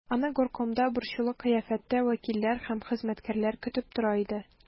Аны горкомда борчулы кыяфәттә вәкилләр һәм хезмәткәрләр көтеп тора иде.